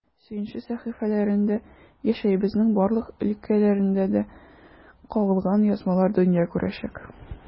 “сөенче” сәхифәләрендә яшәешебезнең барлык өлкәләренә дә кагылган язмалар дөнья күрәчәк.